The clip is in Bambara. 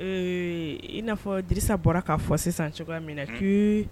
E oui , in n'afɔ Drisaisa bɔra k'a fɔ sisan cogoya minɛ que